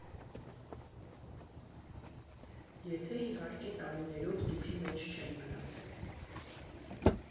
Եթե, իհարկե, տարիներով տուփի մեջ չեն մնացել։